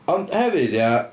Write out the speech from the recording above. Ond hefyd, ia...